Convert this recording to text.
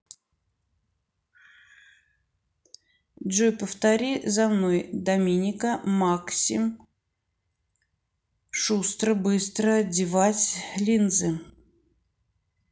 джой повтори за мной доминика максим шустро быстро одевать линзы